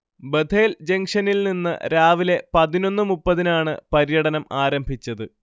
Bethel ജങ്ഷനിൽനിന്ന് രാവിലെ പതിനൊന്നുമുപ്പത്തിനാണ് പര്യടനം ആരംഭിച്ചത്